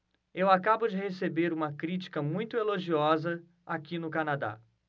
eu acabo de receber uma crítica muito elogiosa aqui no canadá